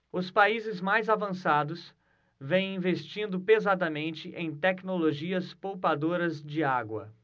os países mais avançados vêm investindo pesadamente em tecnologias poupadoras de água